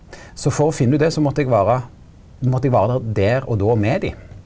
så for å finne ut det så måtte eg vera måtte eg vera der der og då med dei.